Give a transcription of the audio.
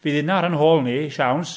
Bydd hi yna ar ein hôl ni, siawns.